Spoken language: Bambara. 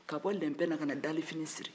ka bɔ lɛnpɛn na ka na dalifini siri